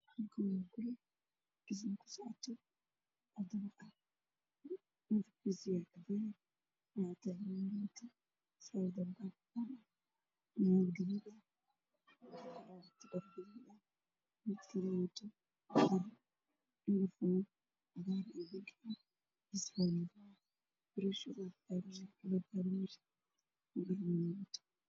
Halkaan waxaa ka muuqdo dabaq qabyo ah oo shaqadiisa socoto